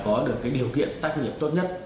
có được những điều kiện tác nghiệp tốt nhất